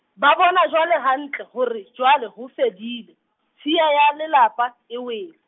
ba bona jwale hantle, hore, jwale, ho fedile, tshiya ya le lapa, e wele.